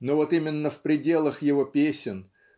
Но вот именно в пределах его песен